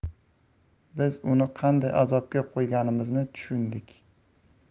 biz uni qanday azobga qo'yganimizni tushundik